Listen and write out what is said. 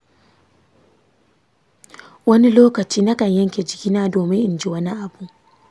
wani lokaci nakan yanke jikina domin in ji wani abu.